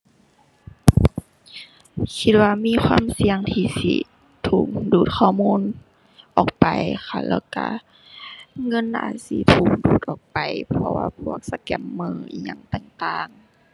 คิดว่ามีความเสี่ยงที่สิ ถูกดูดข้อมูลออกไปค่ะแล้วก็ เงินอาจสิถูกดูดออกไป เพราะว่าพวกสแกมเมอร์อิหยังต่างต่าง